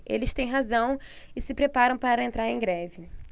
eles têm razão e se preparam para entrar em greve